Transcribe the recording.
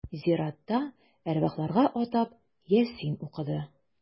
Зиратта әрвахларга атап Ясин укыды.